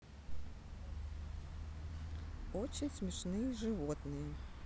очень смешные животные